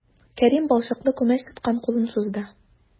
Кәрим балчыклы күмәч тоткан кулын сузды.